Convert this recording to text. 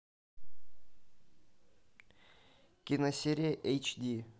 киносерия эйч ди